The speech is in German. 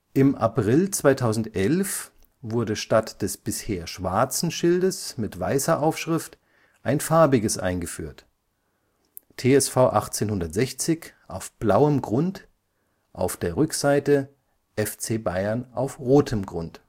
Im April 2011 wurde statt des bisher schwarzen Schildes mit weißer Aufschrift ein farbiges eingeführt: TSV 1860 auf blauem Grund, auf der Rückseite FC Bayern auf rotem Grund